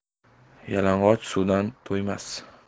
yalang'och suvdan toymas